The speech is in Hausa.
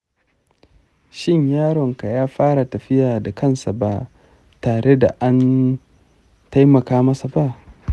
shin yaronka ya fara tafiya da kansa ba tare da an taimaka masa ba?